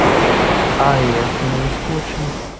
ой афина не скучно